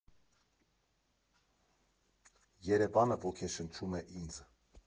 Երևանը ոգեշնչում է ինձ։